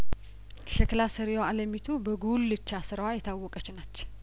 ሸክላ ሰሪዋ አለሚቱ በጉልቻ ስራዋ የታወቀችነች